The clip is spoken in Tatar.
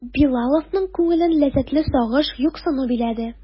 Билаловның күңелен ләззәтле сагыш, юксыну биләде.